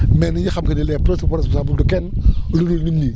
mais nit ñi xam que ne les principaux reponsables du kenn ku dul ñun ñii